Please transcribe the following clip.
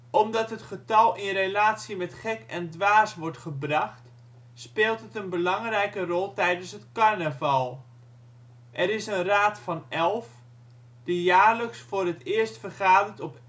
Omdat het getal in relatie met gek en dwaas wordt gebracht, speelt het een belangrijke rol tijdens het carnaval. Er is een Raad van Elf, die jaarlijks voor het eerst vergadert op